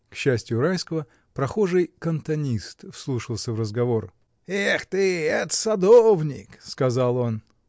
К счастию Райского, прохожий кантонист вслушался в разговор. — Эх ты: это садовник! — сказал он.